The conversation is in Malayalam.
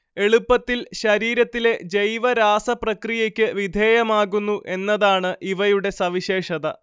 എളുപ്പത്തിൽ ശരീരത്തിലെ ജൈവരാസപ്രക്രിയക്ക് വിധേയമാകുന്നു എന്നതാണ് ഇവയുടെ സവിശേഷത